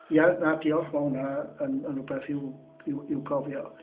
Ia na diolch ma hwnna yn yn rywbeth i'w i'w i'w gofio.